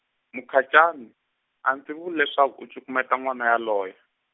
Mukhacani, a ndzi vuli leswaku u cukumeta n'wana yoloye.